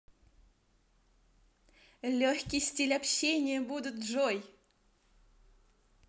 легкий стиль общения будут джой